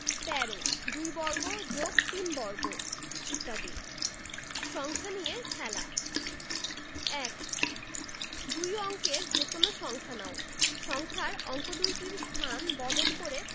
১৩ ২ বর্গ + ৩ বর্গ ইত্যাদি সংখ্যা নিয়ে খেলা ১ দুই অঙ্কের যেকোনো সংখ্যা নাও সংখ্যার অঙ্ক দুইটির স্থান বদল করে